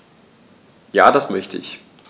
Ja, das möchte ich.